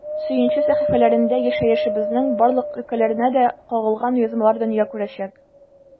“сөенче” сәхифәләрендә яшәешебезнең барлык өлкәләренә дә кагылган язмалар дөнья күрәчәк.